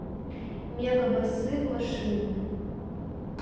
мегабасы в машину